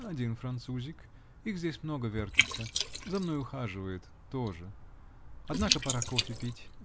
Один французик -- их здесь много вертится. За мной ухаживает -- тоже. Однако пора кофе пить.